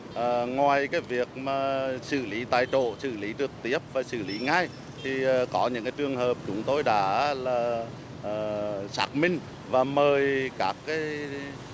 ngoài cái việc mà xử lý tại chỗ xử lý trực tiếp và xử lý ngay thì có những cái trường hợp chúng tôi đã là xác minh và mời các cái